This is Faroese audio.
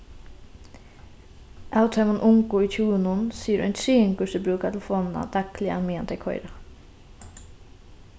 av teimum ungu í tjúgunum sigur ein triðingur seg brúka telefonina dagliga meðan tey koyra